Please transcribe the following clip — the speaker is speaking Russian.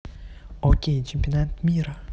окей чемпионат мира